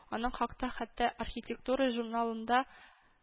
Аның хакта хәтта “архитектура” журналында